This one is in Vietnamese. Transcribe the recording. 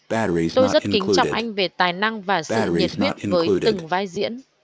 tôi rất kính trọng anh về tài năng và sự nhiệt huyết với từng vai diễn